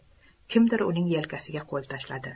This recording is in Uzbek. kimdir uning yelkasiga qo'l tashladi